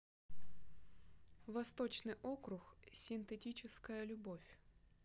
восточный округ синтетическая любовь